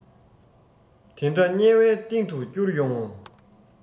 དེ འདྲ དམྱལ བའི གཏིང དུ བསྐྱུར ཡོང ངོ